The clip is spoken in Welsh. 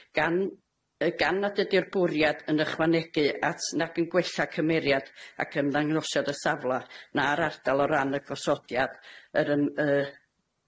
Gan- yy gan nad ydi'r bwriad yn ychwanegu at, nag yn gwella cymeriad ac ymddangosiad y safla na'r ardal o ran y gosodiad yr yn yy